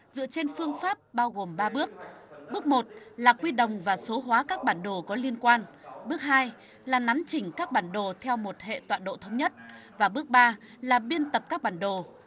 dựa trên phương pháp bao gồm ba bước bước một là quy đồng và số hóa các bản đồ có liên quan bước hai là nắn chỉnh các bản đồ theo một hệ tọa độ thống nhất và bước ba là biên tập các bản đồ